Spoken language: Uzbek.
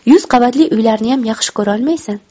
yuz qavatli uylarniyam yaxshi ko'rolmaysan